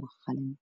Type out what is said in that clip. waa cadays cadaan